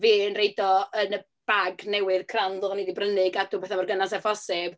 Fi yn roid o yn y bag newydd crand oedden ni 'di brynu i gadw pethau mor gynnes â phosib.